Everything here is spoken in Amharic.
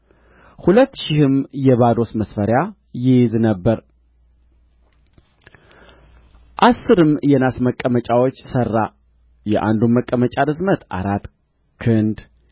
ሁለት ሺህም የባዶስ መስፈሪያ ይይዝ ነበር አሥርም የናስ መቀመጫዎች ሠራ የአንዱም መቀመጫ ርዝመት አራት ክንድ